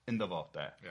ynddo fo de. Ia.